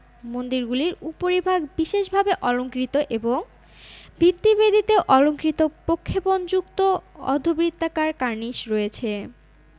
মন্দিরগুলির উপরিভাগ বিশেষভাবে অলংকৃত এবং ভিত্তিবেদিতেও অলঙ্কৃত প্রক্ষেপণযুক্ত অর্ধবৃত্তাকার কার্নিস রয়েছে